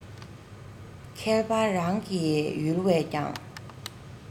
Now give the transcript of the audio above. མཁས པ རང གི ཡུལ བས ཀྱང